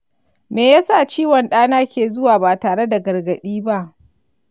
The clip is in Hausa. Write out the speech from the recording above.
me ya sa ciwon ɗana ke zuwa ba tare da gargaɗi ba?